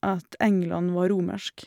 At England var romersk.